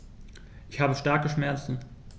Ich habe starke Schmerzen.